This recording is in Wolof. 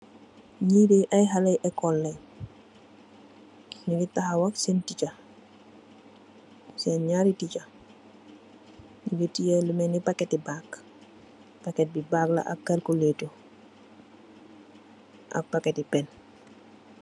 Ñii dèè ay xalèh ekol lèèn, ni ngi taxaw ak sèèn teeca, sèèn ñaari teeca, mugii teyeh lu melni paketti bag, paket bi bag la ak kalkulato ak paketti pen.